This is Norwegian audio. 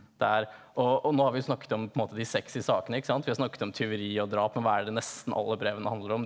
det er og og nå har vi jo snakket om på en måte de sexy saken ikke sant, vi har snakket om tyveri og drap, men hva er det nesten alle brevene handler om?